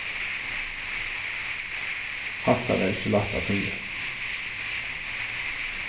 hatta var ikki lætt at týða